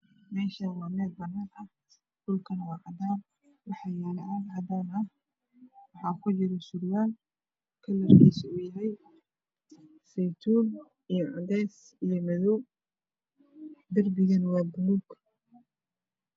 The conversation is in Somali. Meshan waa mel banana ah dhulkan waa cadan waxayalo caag cadan ah waxa kujiro sarwal kslarkis oow yahay seytuun io cades io madow derbigan waa baluug